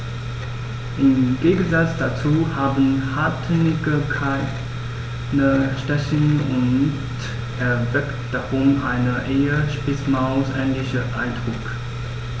Im Gegensatz dazu haben Rattenigel keine Stacheln und erwecken darum einen eher Spitzmaus-ähnlichen Eindruck.